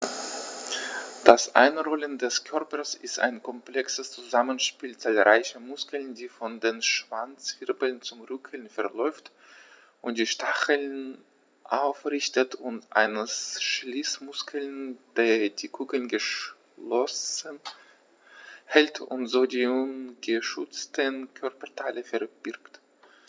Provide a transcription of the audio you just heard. Das Einrollen des Körpers ist ein komplexes Zusammenspiel zahlreicher Muskeln, der von den Schwanzwirbeln zum Rücken verläuft und die Stacheln aufrichtet, und eines Schließmuskels, der die Kugel geschlossen hält und so die ungeschützten Körperteile verbirgt.